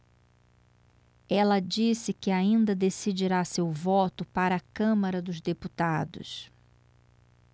ela disse que ainda decidirá seu voto para a câmara dos deputados